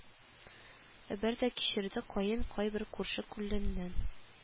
Әбер дә кичерде каен кайбер күрше-күләннән